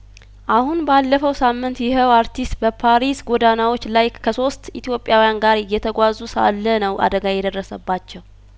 አሁን ባለፈው ሳምንት ይሄው አርቲስት በፓሪስ ጐዳናዎች ላይከሶስት ኢትዮጵያውያን ጋር እየተጓዙ ሳለ ነው አደጋ የደረሰባቸው